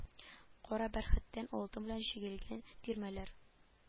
Кара бәрхеттән алтын белән чигелгән тирмәләр